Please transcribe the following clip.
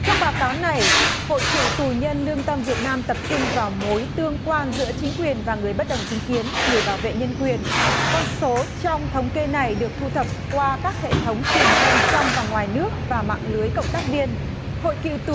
trong báo cáo này hội cựu tù nhân lương tâm việt nam tập trung vào mối tương quan giữa chính quyền và người bất đồng chính kiến người bảo vệ nhân quyền con số trong thống kê này được thu thập qua các hệ thống truyền thông trong và ngoài nước và mạng lưới cộng tác viên hội cựu tù